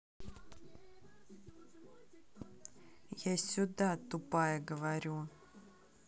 я сюда тупая говорю